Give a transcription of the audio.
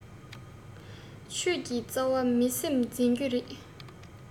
ཆོས ཀྱི རྩ བ མི སེམས འཛིན རྒྱུ རེད